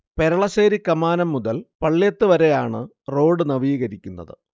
പെരളശ്ശേരി കമാനം മുതൽ പള്ള്യത്ത് വരെയാണ് റോഡ് നവീകരിക്കുന്നത്